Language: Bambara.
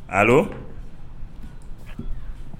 A